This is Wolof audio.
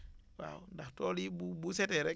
waaw ndax tool yi bu bu setee rek